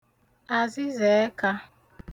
àzịzàẹkā